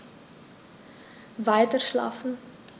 Weiterschlafen.